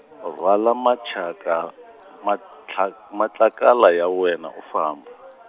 rhwala machaka- matlha- matlakala ya wena u famba.